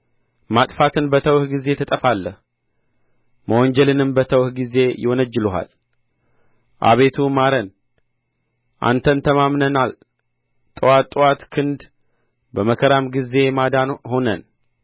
ማጥፋትን በተውህ ጊዜ ትጠፋለህ መወንጀልንም በተውህ ጊዜ ይወነጅሉሃል አቤቱ ማረን አንተን ተማምነናል ጥዋት ጥዋት ክንድ በመከራም ጊዜ ማዳን ሁነን